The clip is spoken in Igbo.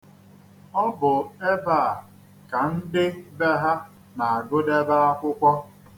Ọ bụ ebe a ka ndị be ha na-agụdebe akwụkwọ.